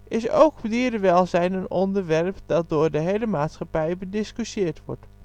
is ook dierenwelzijn een onderwerp dat door de hele maatschappij bediscussieerd wordt